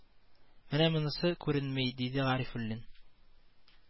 Менә монысы күренми , диде Гарифуллин